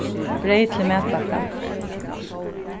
breyð til matpakkan